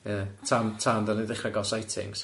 Ie tan tan dan ni'n dechra ga'l sightings.